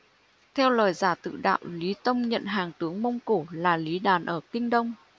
theo lời giả tự đạo lý tông nhận hàng tướng mông cổ là lý đàn ở kinh đông